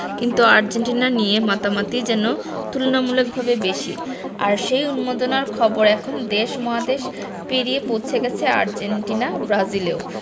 কিন্তু আর্জেন্টিনা নিয়ে মাতামাতিই যেন তুলনামূলকভাবে বেশি আর সেই উন্মাদনার খবর এখন দেশ মহাদেশ পেরিয়ে পৌঁছে গেছে আর্জেন্টিনা ব্রাজিলেও